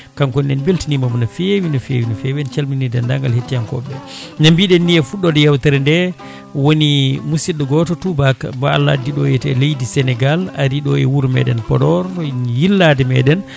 kankone en beltinimomo no fewi no fewi no fewi en calmini dendagal yettiyankoɓe ne mbiɗen ni e fuɗɗode yewtere nde woni musidɗo goto tubak mo Allah addi ɗo e leydi Sénégal ari ɗo e wuuro meɗen Podor yillade meɗen